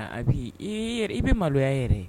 A bi i bɛ maloya yɛrɛ